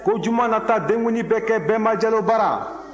ko juma nata denkundi bɛ kɛ bɛnba jalo bara